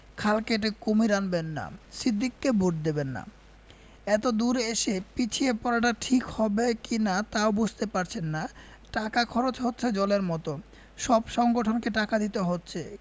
খাল কেটে কুমীর আনবেন না সিদ্দিককে ভোট দেবেন না এতদূর এসে পিছিয়ে পড়াটা ঠিক হবে কি না তাও বুঝতে পারছেন না টাকা খরচ হচ্ছে জলের মত সব সংগঠনকে টাকা দিতে হচ্ছে